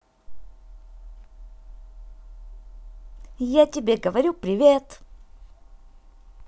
я тебе говорю привет